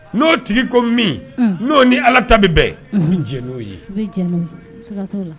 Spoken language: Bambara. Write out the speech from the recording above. N'o tigi ko min unhun n'o ni Ala ta bɛ bɛn u bi diɲɛ n'o ye u bi diɲɛ n'o ye sigat'ola